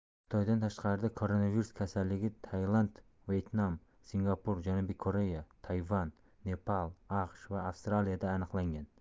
xitoydan tashqarida koronavirus kasalligi tailand vyetnam singapur janubiy koreya tayvan nepal aqsh va avstraliyada aniqlangan